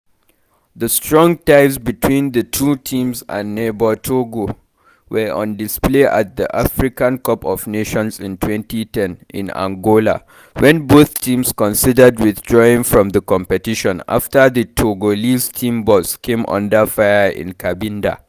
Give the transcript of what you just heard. The strong ties between the two teams and neighbor Togo were on display at the African Cup of Nations in 2010 in Angola when both teams considered withdrawing from the competition after the Togolese team bus came under fire in Cabinda.